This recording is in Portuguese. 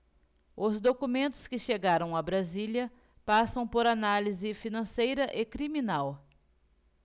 os documentos que chegaram a brasília passam por análise financeira e criminal